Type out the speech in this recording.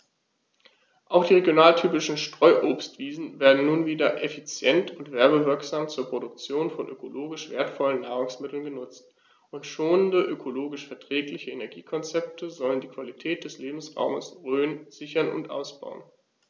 Auch die regionaltypischen Streuobstwiesen werden nun wieder effizient und werbewirksam zur Produktion von ökologisch wertvollen Nahrungsmitteln genutzt, und schonende, ökologisch verträgliche Energiekonzepte sollen die Qualität des Lebensraumes Rhön sichern und ausbauen.